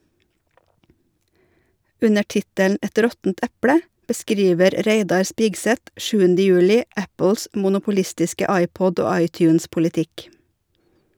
Under tittelen "Et råttent eple" beskriver Reidar Spigseth 7. juli Apples monopolistiske iPod- og iTunes-politikk.